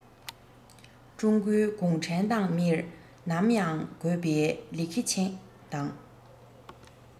ཀྲུང གོའི གུང ཁྲན ཏང མིར ནམ ཡང དགོས པའི ལི ཁེ ཆང དང